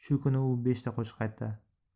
shu kuni u beshta qo'shiq aytdi